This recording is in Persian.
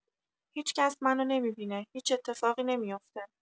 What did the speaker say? هیچ‌کس منو نمی‌بینه، هیچ اتفاقی نمی‌افته.